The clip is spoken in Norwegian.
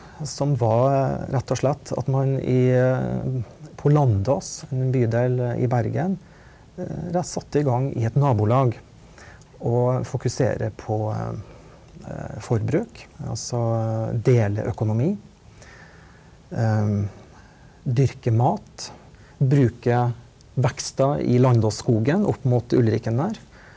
som var rett og slett at man i på Landås en bydel i Bergen satt i gang i et nabolag og fokusere på forbruk altså deleøkonomi dyrke mat bruke vekster i Landåsskogen opp mot Ulriken der.